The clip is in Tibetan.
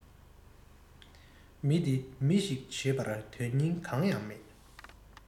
མི འདི མི ཞིག བྱེད པར དོན རྙིང གང ཡང མེད